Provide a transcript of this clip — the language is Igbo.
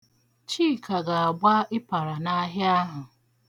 Chika ga-agba ịpara n'ahịa ahụ.